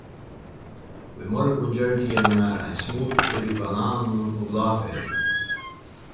í morgun gjørdi eg mær ein smoothie við bananum og bláberum